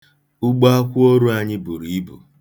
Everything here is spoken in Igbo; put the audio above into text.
Ugbo akwụoru anyị buru ibu.